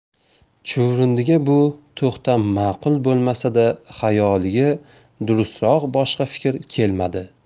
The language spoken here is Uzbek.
chuvrindiga bu to'xtam ma'qul bo'lmasa da xayoliga durustroq boshqa fikr kelmadi